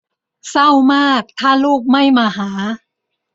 เศร้ามากถ้าลูกไม่มาหา